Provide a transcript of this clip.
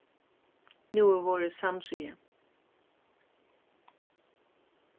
nú er vorðið samdrigið